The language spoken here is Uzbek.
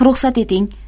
ruxsat eting